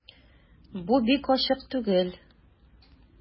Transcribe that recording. Бу бик ачык түгел...